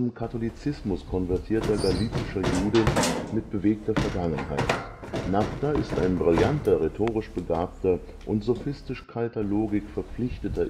Katholizismus konvertierter galizischer Jude mit bewegter Vergangenheit. Naphta ist ein brillanter, rhetorisch begabter und sophistisch-kalter Logik verpflichteter